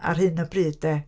Ar hyn o bryd, de.